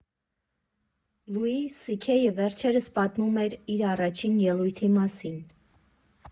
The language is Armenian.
Լուի Սի Քեյը վերջերս պատմում էր իր առաջին ելույթի մասին։